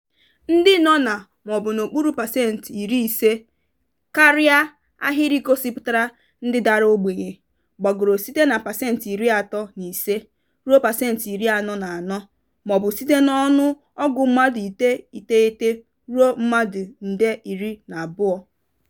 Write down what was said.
Ndị nọ na maọbụ n'okpuru pesentị iri ise(50%) karịa ahịrị gosipụtara ndị dara ogbenye, gbagoro site na pesentị iri atọ na ise (35%) ruo pesentị iri anọ na anọ (44%) (maọbụ site n'ọnụ ọgụ mmadụ nde iteghete ruo mmadụ nde iri na abụọ)